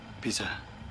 Peter.